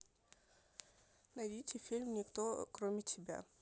найдите фильм никто кроме тебя